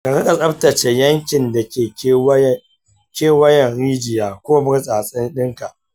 ka riƙa tsaftace yankin da ke kewayen rijiya ko burtsatse ɗinka.